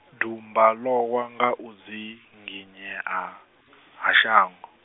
dumba lowa nga u dzinginyea, ha shango.